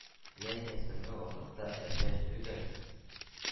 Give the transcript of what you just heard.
Ләкин соңгы вакытта әсәр түгел,